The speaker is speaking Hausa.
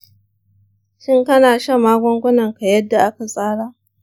shin kana shan magungunanka yadda aka tsara?